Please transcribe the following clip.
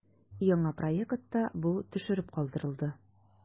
Яңа проектта бу төшереп калдырылды.